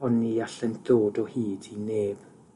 ond ni allent ddod o hyd i neb.